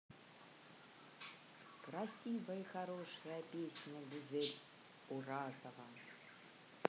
красивая и хорошая песня гузель уразова